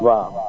waaw